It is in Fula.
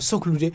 soklude